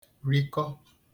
rikọ